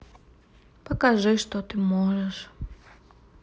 покажи что ты можешь